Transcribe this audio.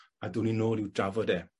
A down ni nôl i'w drafod e